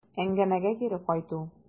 Әңгәмәгә кире кайту.